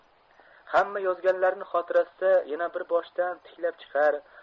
hamma yozganlarini xotirasida yana bir boshdan tiklab chiqar